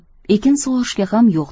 ekin sug'orishga ham yo'q